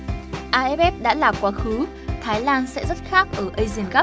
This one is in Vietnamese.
a ép ép đã là quá khứ thái lan sẽ rất khác ở a si an cắp